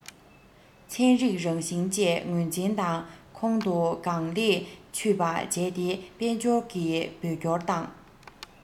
ཚན རིག རང བཞིན བཅས ངོས འཛིན དང ཁོང དུ གང ལེགས ཆུད པ བྱས ཏེ དཔལ འབྱོར གྱི བོད སྐྱོར དང